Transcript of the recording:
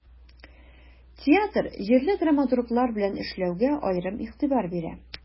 Театр җирле драматурглар белән эшләүгә аерым игътибар бирә.